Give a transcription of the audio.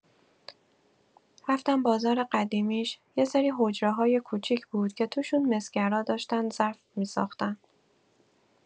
رفتم بازار قدیمیش، یه سری حجره‌های کوچیک بود که توشون مسگرا داشتن ظرف می‌ساختن.